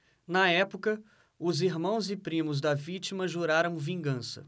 na época os irmãos e primos da vítima juraram vingança